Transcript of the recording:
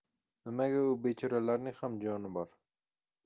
nimaga u bechoralarning ham joni bor